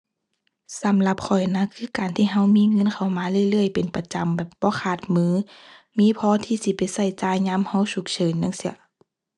สำหรับข้อยนะ คือการที่เรามีเงินเข้ามาเรื่อยเรื่อยเป็นประจำแบบบ่ขาดมือ มีพอที่สิไปเราจ่ายยามเราฉุกเฉินจั่งซี้